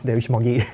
det er jo ikke magi.